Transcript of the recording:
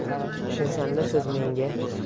o'shanda siz menga